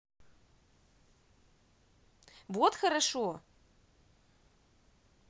вот хорошо